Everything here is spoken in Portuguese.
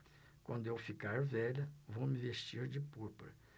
quando eu ficar velha vou me vestir de púrpura